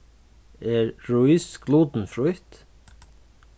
er rís glutenfrítt